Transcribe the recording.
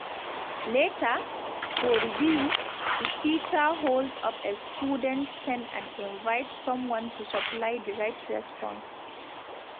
Later, for review, the teacher holds up a student’s pen and invites someone to supply the right response.